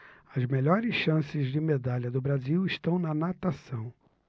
as melhores chances de medalha do brasil estão na natação